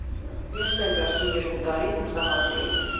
Ես էլ վերջին երկու տարին հուսահատ էի։